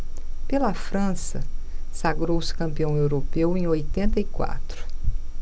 pela frança sagrou-se campeão europeu em oitenta e quatro